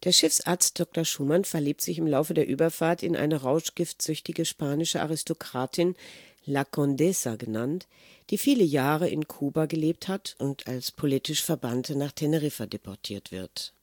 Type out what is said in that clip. Schiffsarzt Dr. Schumann verliebt sich im Laufe der Überfahrt in eine rauschgiftsüchtige spanische Aristokratin, La Condesa genannt, die viele Jahre in Kuba gelebt hat und als politisch Verbannte nach Teneriffa deportiert wird